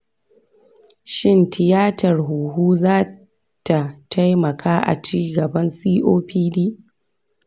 shin tiyatar huhu za ta taimaka a ci gaban copd?